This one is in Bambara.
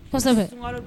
Kosɛbɛ, sun kalo